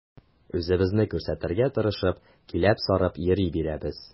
Үзебезне күрсәтергә тырышып, киләп-сарып йөри бирәбез.